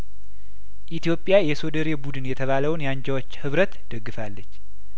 ኢትዮጵያ የሶደሬ ቡድን የተባለውን የአንጃዎች ህብረት ደግፋለች